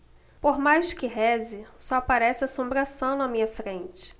por mais que reze só aparece assombração na minha frente